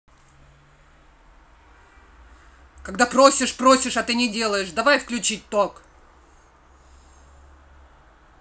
когда просишь просишь а ты не делаешь давай включить ток